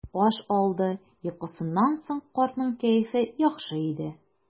Аш алды йокысыннан соң картның кәефе яхшы иде.